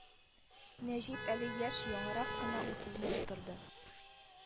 Нәҗип әле яшь, яңарак кына утызны тутырды